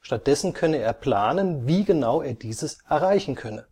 Stattdessen könne er planen, wie genau er dieses erreichen könne